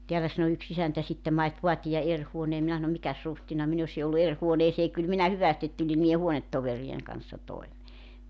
täällä sanoi yksi isäntä sitten mait vaatia eri huoneen minä sanoin mikäs ruhtinas minä olisin ollut eri huoneeseen kyllä minä hyvästi tulin niiden huonetoverien kanssa toimeen